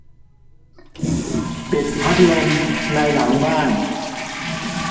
ปิดพัดลมในหลังบ้าน